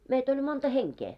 meitä oli monta henkeä